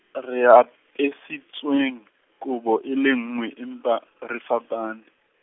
re ya apesitswang kobo e le nngwe empa re fapane.